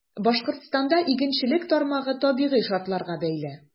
Башкортстанда игенчелек тармагы табигый шартларга бәйле.